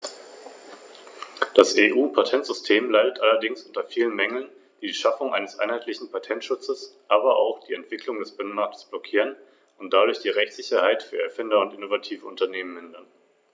Herr Präsident, ich möchte Frau Schroedter ganz herzlich für die von ihr zu diesem Thema geleistete Arbeit danken. Gleichzeitig möchte ich erklären, dass ich im Namen meiner Kollegin Frau Flautre spreche, die die Stellungnahme im Auftrag des Ausschusses für Beschäftigung und soziale Angelegenheiten erarbeitet hat und leider erkrankt ist.